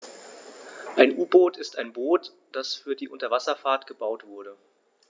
Ein U-Boot ist ein Boot, das für die Unterwasserfahrt gebaut wurde.